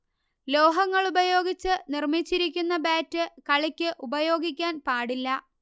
ലോഹങ്ങൾ ഉപയോഗിച്ച് നിർമിച്ചിരിക്കുന്ന ബാറ്റ് കളിക്ക് ഉപയോഗിക്കാൻ പാടില്ല